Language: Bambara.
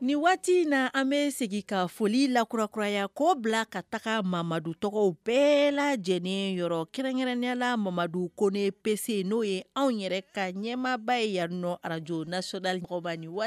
Nin waati in na an bɛ segin ka foli lakurakuraya k'o bila ka taga Mamadu tɔgɔw bɛɛ lajɛlen yɔrɔ kɛrɛnkrɛnenyala Mamadu Kone, P-C n'o ye anw yɛrɛ ka ɲɛmaaba ye yan radio nationale